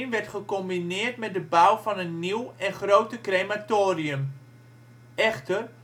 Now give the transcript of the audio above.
werd gecombineerd met de bouw van een nieuw en groter crematorium. Echter